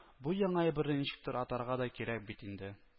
Бу яңа әйберне ничектер атарга да кирәк бит инде